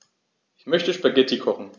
Ich möchte Spaghetti kochen.